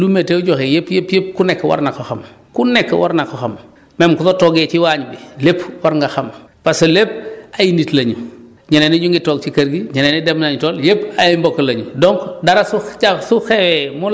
effectivement lu ñu lim yëpp yëpp yëpp lu météo joxe yëpp yëpp yëpp ku nekk war na ko xam ku nekk war na ko xam même ku fa toggee ci waañ bi lépp war nga xam parce que lépp ay nit la ñu ñeneen ñi ñu ngi toog ci kër gi ñeneen ñi dem nañu tool yëpp ay mbokk la ñu